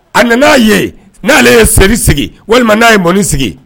A nana ye n'ale ye seri sigi walima n'a ye mɔni sigi